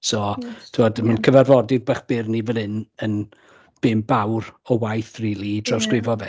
so tibod ma'n cyfarfodydd bach byr ni fan hyn yn bump awr o waith rili i drawsgrifo fe.